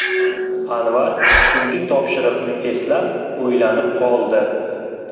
anvar tungi topshiriqni eslab o'ylanib qoldi